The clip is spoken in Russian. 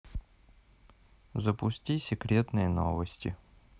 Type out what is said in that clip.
запусти секретные новости